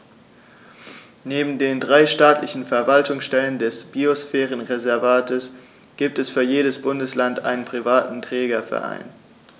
Neben den drei staatlichen Verwaltungsstellen des Biosphärenreservates gibt es für jedes Bundesland einen privaten Trägerverein.